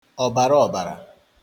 ọ̀bàra ọ̀bàrà